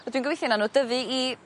A dwi'n gobeithio nawn n'w dyfu i